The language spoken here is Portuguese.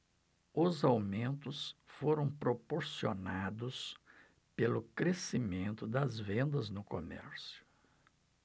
os aumentos foram proporcionados pelo crescimento das vendas no comércio